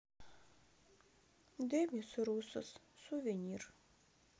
демис руссос сувенир